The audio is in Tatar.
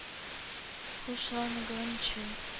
Хушланганчы